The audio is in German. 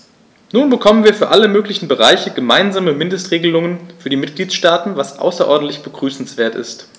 Nun bekommen wir für alle möglichen Bereiche gemeinsame Mindestregelungen für die Mitgliedstaaten, was außerordentlich begrüßenswert ist.